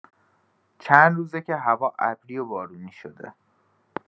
چندروزه که هوا ابری و بارونی شده.